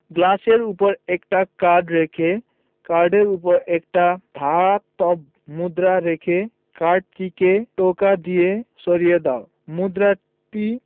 গ্লাসের উপর একটা কার্ড রেখে কার্ডের উপর একটা ধাতব মুদ্রা রেখে কার্ডটিকে টোকা দিয়ে সরিয়ে দাও মুদ্রাটি